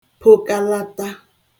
pokalata